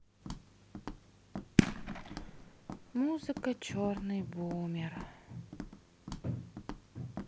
музыка черный бумер